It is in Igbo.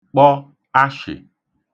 kpọ ashị̀